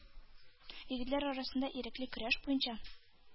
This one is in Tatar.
Егетләр арасында ирекле көрәш буенча